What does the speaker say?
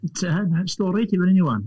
Story tu fan hynny ŵan.